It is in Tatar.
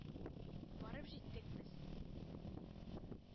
Барып җиттек без.